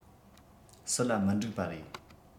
སུ ལ མི འགྲིག པ རེད